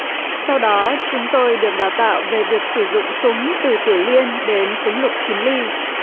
sau đó chúng tôi được đào tạo về việc sử dụng súng từ tiểu liên đến súng lục chín li